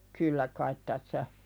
kyllä kai tässä